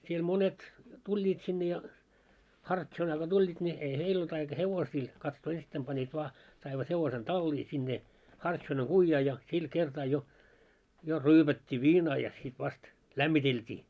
siellä monet tulivat sinne ja hartsonaa kun tulivat niin ei heillä ollut aika hevosia katsoa ensittäin panivat vain saivat hevosen talliin sinne hartsonan kujaan ja sillä kertaa jo jo ryypättiin viinaa ja sitten vasta lämmiteltiin